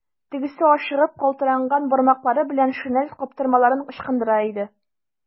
Тегесе ашыгып, калтыранган бармаклары белән шинель каптырмаларын ычкындыра иде.